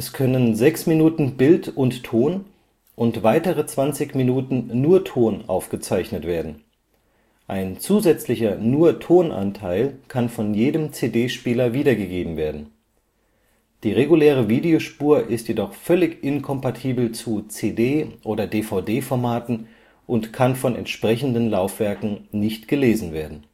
können 6 min Bild und Ton und weitere 20 min nur Ton aufgezeichnet werden. Ein zusätzlicher Nur-Ton-Anteil kann von jedem CD-Spieler wiedergegeben werden. Die reguläre Videospur ist jedoch völlig inkompatibel zu CD - oder DVD-Formaten und kann von entsprechenden Laufwerken nicht gelesen werden